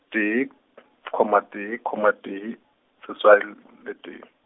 tee , comma tee comma tee, seswai l-, le tee.